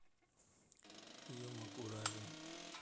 пьем и куражим